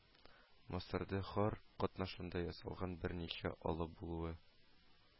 Мисырда Хор катнашында ясалган берничә алла булуы